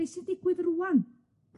Be' sy'n digwydd rŵan?